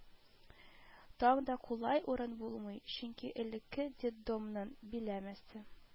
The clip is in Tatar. Тан да кулай урын булмый, чөнки элекке детдомның биләмәсе,